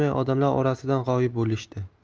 orasidan g'oyib bo'lishdi